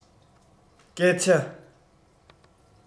སྐད ཆ